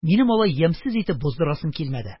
Мин алай ямьсез итеп боздырасым килмәде: